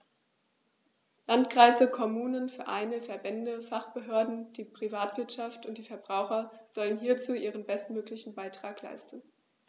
Landkreise, Kommunen, Vereine, Verbände, Fachbehörden, die Privatwirtschaft und die Verbraucher sollen hierzu ihren bestmöglichen Beitrag leisten.